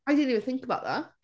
I didn't even think about that.